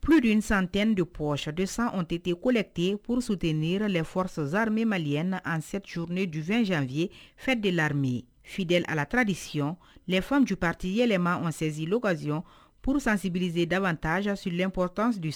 Pur de in sant depɔscd san0te kolɛ ten purste ni yɛrɛ la0 zarimee maliliya na an seuruni ju2ɛn2ye fɛ de lame ye fid ati desiy fan juptiyɛlɛma senzilo kasiyɔn purs7sipererize daban ta zsilenp 1s